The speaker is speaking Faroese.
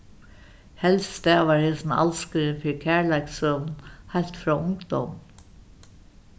helst stavar hesin alskurin fyri kærleikssøgum heilt frá ungdóminum